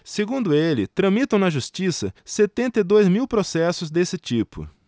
segundo ele tramitam na justiça setenta e dois mil processos desse tipo